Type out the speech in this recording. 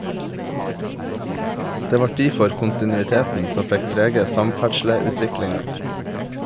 Det vart difor kontinuiteten som fekk prege samferdsleutviklinga.